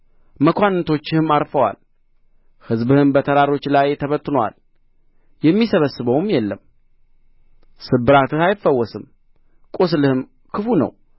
መኳንንቶችህም ዐርፈዋል ሕዝብህም በተራሮች ላይ ተበትኖአል የሚሰበስበውም የለም ስብራትህ አይፈወስም ቍስልህም ክፉ ነው